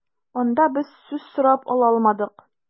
Анда без сүз сорап ала алмадык.